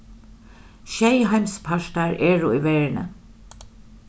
sjey heimspartar eru í verðini